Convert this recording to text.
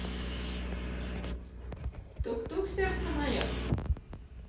тук тук сердце мое